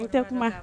I tɛ kuma